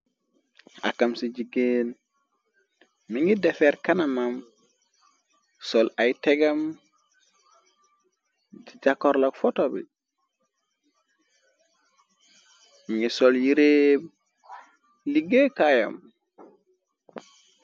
Ak kam ci jigéen mi ngir defeer kanam mam sol ay tegam jàkkorlok fortor bi mugi sol yirée liggée kaayam.